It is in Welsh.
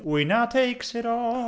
Ŵyna takes it all!